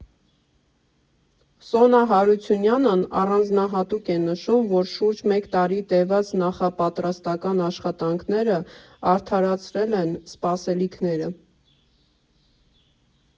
Սոնա Հարությունյանն առանձնահատուկ է նշում, որ շուրջ մեկ տարի տևած նախապատրաստական աշխատանքները արդարացրել են սպասելիքները.